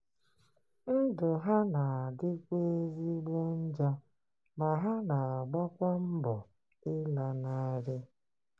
Ndụ ha na-adịkwa ezigbo njọ ma ha na-agbakwa mbọ ịlanarị.